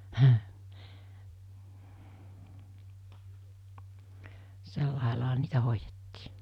sillä laillahan niitä hoidettiin